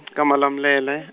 ka Malamulele.